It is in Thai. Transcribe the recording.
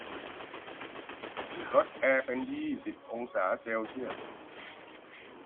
ลดแอร์เป็นยี่สิบองศาเซลเซียส